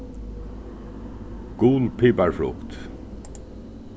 gul piparfrukt